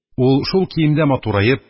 Ул шул киемдә матураеп,